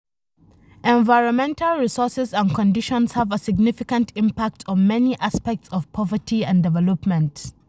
Environmental resources and conditions have a significant impact on many aspects of poverty and development.